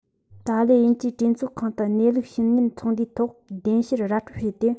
ཏཱ ལས དབྱིན ཇིའི གྲོས ཚོགས ཁང དུ གནས ལུགས ཞུ ཉན ཚོགས འདུའི ཐོག བདེན བཤེར ར སྤྲོད བྱས ཏེ